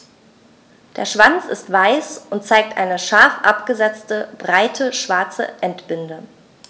Der Schwanz ist weiß und zeigt eine scharf abgesetzte, breite schwarze Endbinde.